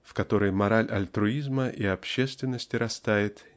в которой мораль альтруизма и общественности растает